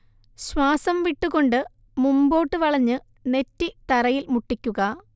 ശ്വാസം വിട്ടുകൊണ്ട് മുമ്പോട്ട് വളഞ്ഞ് നെറ്റി തറയിൽ മുട്ടിക്കുക